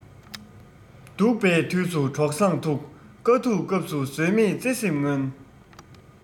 སྡུག པའི དུས སུ གྲོགས བཟང ཐུག དཀའ སྡུག སྐབས སུ ཟོལ མེད བརྩེ སེམས མངོན